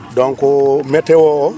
donc